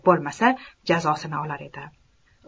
bo'lmasa jazosini olar edi